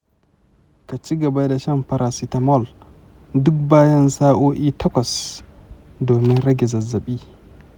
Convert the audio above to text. ka ci gaba da shan paracetamol duk bayan sa'o'i takwas domin rage zazzabi.